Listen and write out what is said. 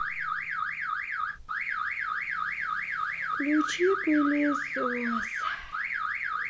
включи пылесос